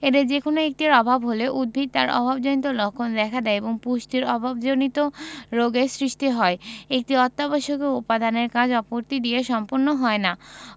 এদের যেকোনো একটির অভাব হলে উদ্ভিদে তার অভাবজনিত লক্ষণ দেখা দেয় এবং পুষ্টির অভাবজনিত রোগের সৃষ্টি হয় একটি অত্যাবশ্যকীয় উপাদানের কাজ অপরটি দিয়ে সম্পন্ন হয় না